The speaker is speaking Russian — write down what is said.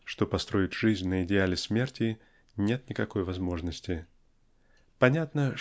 что построить жизнь на идеале смерти нет никакой возможности. Понятно